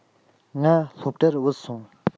ང སློབ གྲྭར བུད སོང